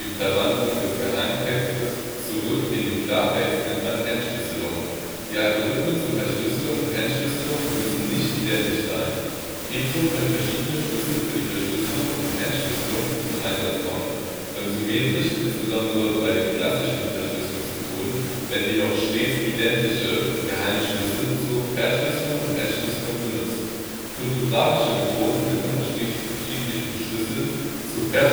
Verwandlung des Geheimtextes zurück in den Klartext, nennt man Entschlüsselung. Die Algorithmen zur Verschlüsselung und Entschlüsselung müssen nicht identisch sein. Ebenso können verschiedene Schlüssel für die Verschlüsselung und die Entschlüsselung zum Einsatz kommen. Bei symmetrischen, insbesondere bei den klassischen Verschlüsselungsmethoden, werden jedoch stets identische geheime Schlüssel zur Verschlüsselung und Entschlüsselung benutzt. Kryptographische Methoden mit unterschiedlichen Schlüsseln zur Ver